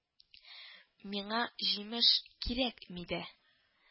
– миңа җимеш кирәкми дә